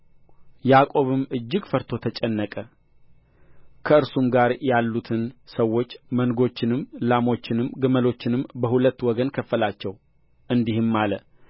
ያዕቆብም እጅግ ፈርቶ ተጨነቀ ከእርሱም ጋር ያሉትን ሰዎች መንጎችንም ላሞችንም ግመሎችንም በሁለት ወገን ከፈላቸው እንዲህም አለ